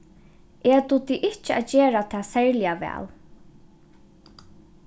eg dugdi ikki at gera tað serliga væl